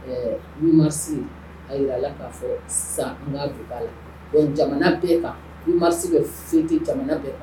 Ɛɛ ma se jira ala k' fɔ sa ju la jamana bɛɛ kan n ma se ka fiti jamana bɛɛ